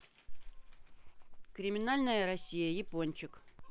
криминальная россия япончик